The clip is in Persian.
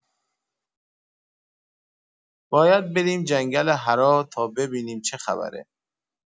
باید بریم جنگل حرا تا ببینیم چه خبره!